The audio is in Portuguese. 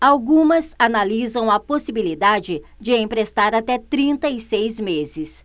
algumas analisam a possibilidade de emprestar até trinta e seis meses